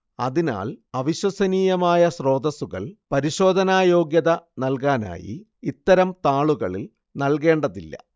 അതിനാൽ വിശ്വസനീയമായ സ്രോതസ്സുകൾ പരിശോധനായോഗ്യത നൽകാനായി ഇത്തരം താളുകളിൽ നൽകേണ്ടതില്ല